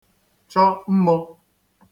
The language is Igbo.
chọ mmo